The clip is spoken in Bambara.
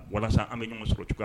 Walasa an be ɲɔŋɔn sɔrɔ cogoya